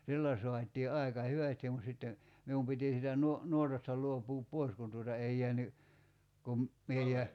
sillä saatiin aika hyvästi mutta sitten minun piti siitä - nuotasta luopua pois kun tuota ei jäänyt kuin minä -